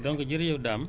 waaw jërëjëf jërëjëf